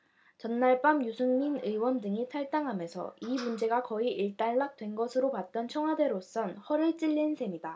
전날 밤 유승민 의원 등이 탈당하면서 이 문제가 거의 일단락된 것으로 봤던 청와대로선 허를 찔린 셈이다